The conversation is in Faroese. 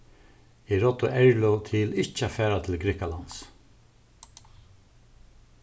eg ráddi erlu til ikki at fara til grikkalands